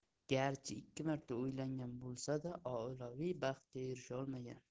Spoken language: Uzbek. garchi ikki marta uylangan bo'lsa da oilaviy baxtga erisholmagan